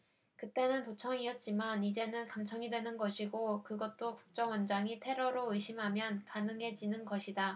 그 때는 도청이었지만 이제는 감청이 되는 것이고 그것도 국정원장이 테러로 의심하면 가능해지는 것이다